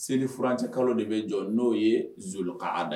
Selifuranrancɛ kalo de bɛ jɔ n'o ye zokan da